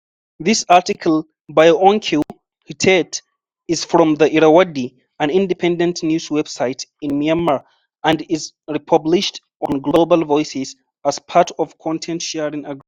This article by Aung Kyaw Htet is from The Irrawaddy, an independent news website in Myanmar, and is republished on Global Voices as part of a content-sharing agreement.